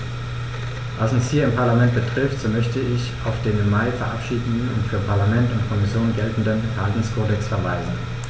Was uns hier im Parlament betrifft, so möchte ich auf den im Mai verabschiedeten und für Parlament und Kommission geltenden Verhaltenskodex verweisen.